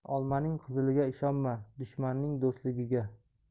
olmaning qiziliga ishonma dushmanning do'stligiga